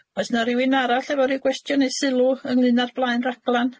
Oes 'na rywun arall efo ryw gwestiwn neu sylw ynglŷn â'r blaenraglan?